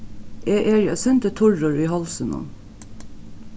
eg eri eitt sindur turrur í hálsinum